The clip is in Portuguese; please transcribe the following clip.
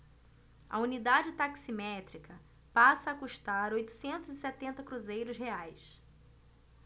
a unidade taximétrica passa a custar oitocentos e setenta cruzeiros reais